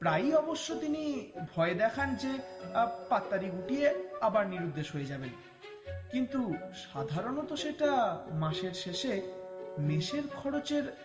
প্রায়ই অবশ্য তিনি ভয় দেখান যে পাততাড়ি গুটিয়ে আবার নিরুদ্দেশ হয়ে যাবেন কিন্তু সাধারণত সেটা মাসের শেষে মেসের খরচের